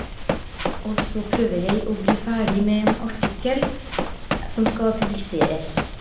Og så prøver jeg å bli ferdig med en artikkel som skal publiseres.